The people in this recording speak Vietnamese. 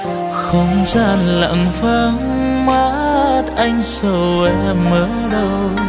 không gian lặng vắng mắt anh sầu em ở đâu